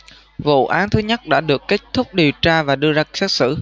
vụ án thứ nhất đã được kết thúc điều tra và đưa ra xét xử